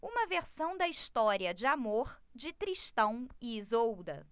uma versão da história de amor de tristão e isolda